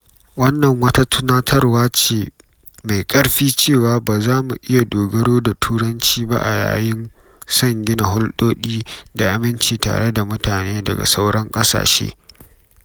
Wannan wata tunatarwa ce mai ƙarfi cewa ba za mu iya dogaro da Turanci ba a yayin son gina hulɗoɗi da aminci tare da mutane daga sauran ƙasashe.